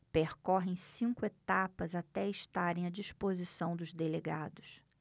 percorrem cinco etapas até estarem à disposição dos delegados